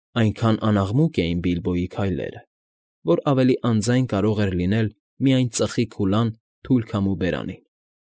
Այնքան անաղմուկ էին Բիլբոյի քայլերը, որ ավելի անձայն կարող էր լինել միայն ծխի քուլան թույլ քամու բերանին։